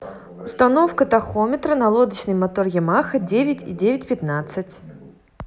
установка тахометра на лодочный мотор ямаха девять и девять пятнадцать